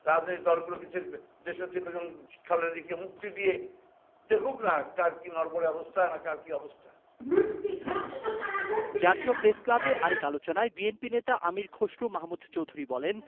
রাজনৈতিক দলগুলোকে দেশ নেত্রী বেগম খালেদা জিয়াকে মুক্তি দিয়ে দেখুক না কার কি নড়বড়ে অবস্থা না কার কি অবস্থা মুক্তি রক্ত ছাড়া মুক্তি মেলে না জাতীয় প্রেসক্লাবে আরেক আলোচনায় বিএনপি নেতা আমির খসরু মাহমুদ চৌধুরী বলেন